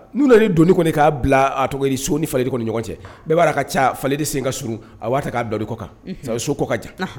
N'u nana ye doni kɔni k'a bila a tɔgɔ so ni falenli kɔni ɲɔgɔn cɛ bɛɛ b'a ka ca falenli de sen ka sunurun a' k'a dɔnkili kɔ kan so kɔ ka jan